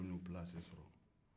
ninnuw ye u pilasi sɔrɔ